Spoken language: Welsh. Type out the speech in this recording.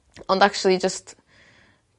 Ond actually just